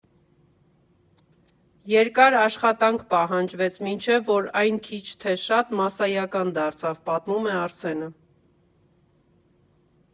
Երկար աշխատանք պահանջվեց, մինչև որ այն քիչ թե շատ մասսայական դարձավ, ֊ պատմում է Արսենը։